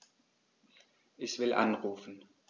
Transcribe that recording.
Ich will anrufen.